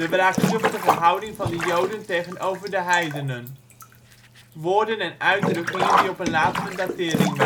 wraakzuchtige houding van de Joden tegenover de heidenen; Woorden en uitdrukkingen die op een latere datering wijzen